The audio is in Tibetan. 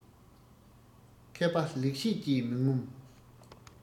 མཁས པ ལེགས བཤད ཀྱིས མི ངོམས